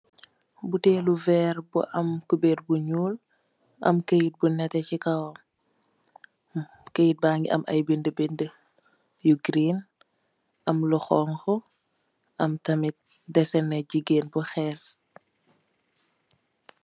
butel weer bu am kopirr gu nool, am cayet bu nete ci kawwam cayet bahgi am ayi benni ben yu weetah am lo xogo am tamit deseneh jigeen bo kess.